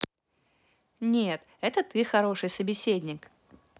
нет это ты хороший собеседник